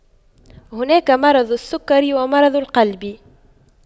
هناك مرض السكري ومرض القلب